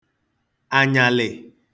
ànyàlị̀